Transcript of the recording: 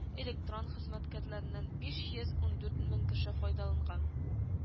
Электрон хезмәткәләреннән биш йөз ундурт мең кеше файдаланган